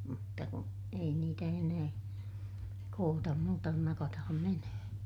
mutta kun ei niitä enää koota muuta kuin nakataan menemään